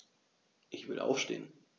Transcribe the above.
Ich will aufstehen.